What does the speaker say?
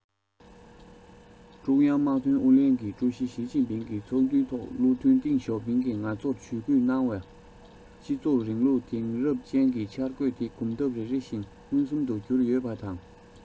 ཀྲུང དབྱང དམག དོན ཨུ ལྷན གྱི ཀྲུའུ ཞི ཞིས ཅིན ཕིང གིས ཚོགས འདུའི ཐོག བློ མཐུན ཏེང ཞའོ ཕིང གིས ང ཚོར ཇུས འགོད གནང བའི སྤྱི ཚོགས རིང ལུགས དེང རབས ཅན གྱི འཆར འགོད དེ གོམ སྟབས རེ རེ བཞིན མངོན སུམ དུ འགྱུར དུ ཡོད པ དང